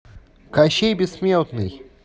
кощей бессмертный